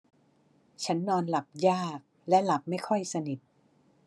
ฉันนอนหลับยากและหลับไม่ค่อยสนิท